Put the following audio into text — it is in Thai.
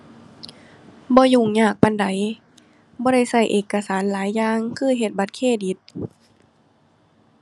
บ่ยุ่งยากปานใด บ่ได้ใช้เอกสารหลายอย่าง คือเฮ็ดบัตรเครดิต